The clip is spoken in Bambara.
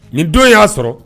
Nin don y'a sɔrɔ